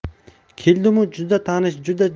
keldimu juda tanish juda